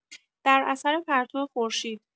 در اثر پرتو خورشید